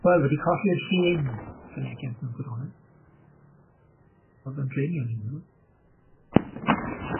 Wel wedi colli'r hen fynegion mewn gwirionedd, o'dd yn brin iawn i nw.